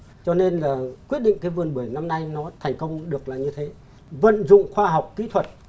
cho nên là quyết định cái vườn bưởi năm nay nó thành công được là như thế vẫn dựng được khoa học kỹ thuật